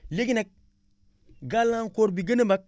léegi nag gàllankoor bi gën a mag